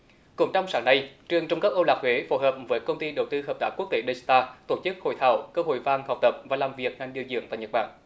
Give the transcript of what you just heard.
cũng trong sáng nay trường trung cấp âu lạc huế phối hợp với công ty đầu tư hợp tác quốc tế đây sờ ta tổ chức hội thảo cơ hội vàng học tập và làm việc ngành điều dưỡng tại nhật bản